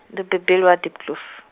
ndo bebelwa Diepkloof.